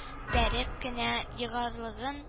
Бәреп кенә егарлыгын